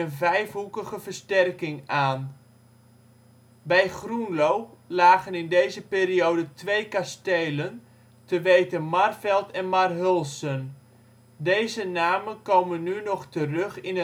vijfhoekige versterking aan. Bij Groenlo lagen in deze periode twee kastelen, te weten Marveld en Marhulsen. De namen komen nu nog terug in